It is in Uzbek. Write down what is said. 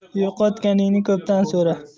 yo'qotganingni ko'pdan so'ra